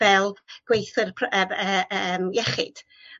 fel gweithwyr pr- yy yy yym iechyd